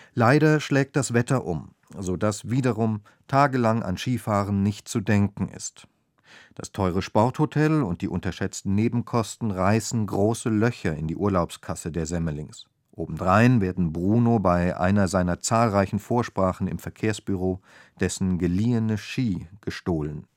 Leider schlägt das Wetter um, so daß wiederum tagelang an Skifahren nicht zu denken ist. Das teure Sporthotel und die unterschätzten Nebenkosten reißen große Löcher in die Urlaubskasse der Semmelings. Obendrein werden Bruno bei einer seiner zahlreichen Vorsprachen im Verkehrsbüro dessen geliehene Ski gestohlen